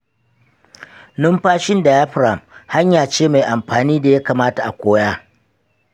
numfashin diaphragm hanya ce mai amfani da ya kamata a koya.